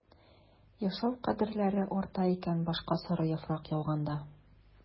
Яшәү кадерләре арта икән башка сары яфрак яуганда...